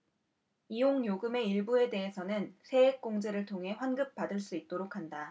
이용요금의 일부에 대해서는 세액공제를 통해 환급받을 수 있도록 한다